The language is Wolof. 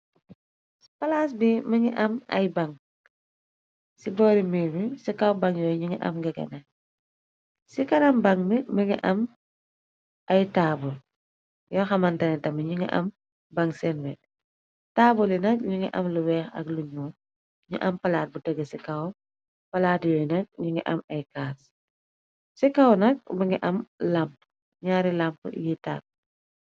Palaas bi më ngi am ay baŋg, ci boori miir ci kaw baŋg yoy ñu ngi am ngegena. Ci karam baŋg bi më ngi am ay taabul yo xamantani tamid ñu ngi am bang seen we taabuli nak ñu ngi am lu weex ak lu ñuul, ñu am palaat bu teg ci kaw palaat yuy nak ñu ngi am ay caas, ci kaw nak bu ngi am lamp ñaari lamp yiy tàaku.